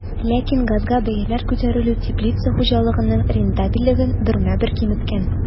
Ләкин газга бәяләр күтәрелү теплица хуҗалыгының рентабельлеген бермә-бер киметкән.